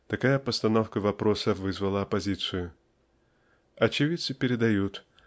такая постановка вопроса вызвала оппозицию. Очевидцы передают